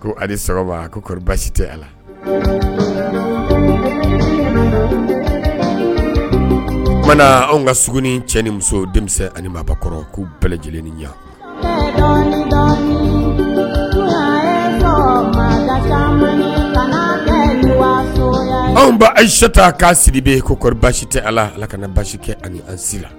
Kosa koɔri basi tɛ a mana anw ka sugunɛ ni cɛ ni muso denmisɛn ani mabɔkɔrɔ k' bɛɛlɛ lajɛlen ni ɲɛ ayisata k'a siri bɛ koɔri basi tɛ ala la kana basi kɛ ani an sira